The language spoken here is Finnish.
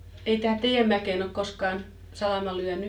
ei tähän teidän mäkeen ole koskaan salama lyönyt